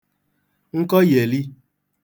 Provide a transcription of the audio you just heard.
nkọghèli